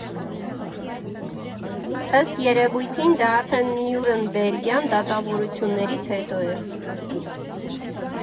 Ըստ երևույթին, դա արդեն Նյուրնբերգյան դատավարություններից հետո էր։